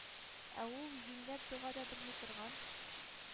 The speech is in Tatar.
Ә ул — юньләп дога да белми торган